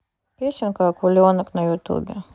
песенка акуленок на ютубе